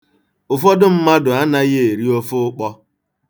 Ụfọdụ mmadụ anaghị eri ofe ụkpọ.